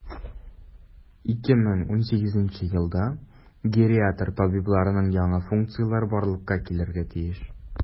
2018 елда гериатр табибларның яңа функцияләре барлыкка килергә тиеш.